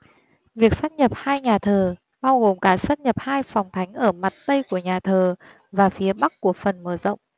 việc sát nhập hai nhà thờ bao gồm cả sát nhập hai phòng thánh ở mặt tây của nhà thờ và phía bắc của phần mở rộng